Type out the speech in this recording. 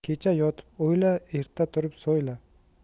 kecha yotib o'yla erta turib so'yla